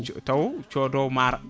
taw codowo maaro